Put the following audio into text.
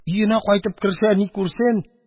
Өенә кайтып керсә, ни күрсен